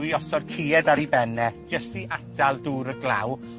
yw i osod cied ar 'i ben e, jyst i atal dŵr a glaw,